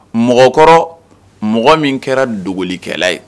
Mɔgɔ kɔrɔ mɔgɔ min kɛra dogolikɛla ye